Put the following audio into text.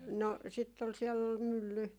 no sitten oli siellä oli mylly